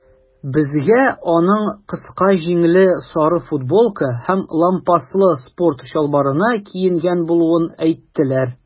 Безгә аның кыска җиңле сары футболка һәм лампаслы спорт чалбарына киенгән булуын әйттеләр.